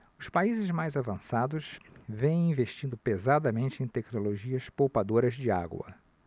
os países mais avançados vêm investindo pesadamente em tecnologias poupadoras de água